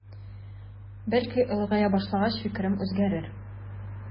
Бәлки олыгая башлагач фикерем үзгәрер.